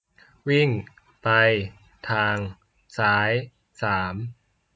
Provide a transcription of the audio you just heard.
วิ่งไปทางซ้ายสาม